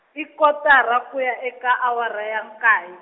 i kotara ku ya eka awara ya nkay-.